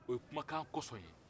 o ye kumakan kɔsɔn ye